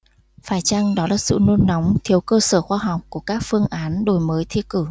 phải chăng đó là sự nôn nóng thiếu cơ sở khoa học của các phương án đổi mới thi cử